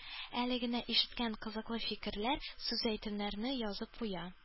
Әле генә ишеткән кызыклы фикерләр, сүз-әйтемнәрне язып куя